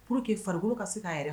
Pour que farikolo ka se k'a yɛrɛ